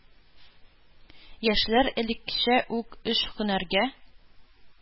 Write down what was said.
Яшьләр элеккечә үк өч һөнәргә